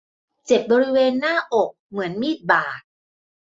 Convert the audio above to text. เจ็บบริเวณหน้าอกเหมือนมีดบาด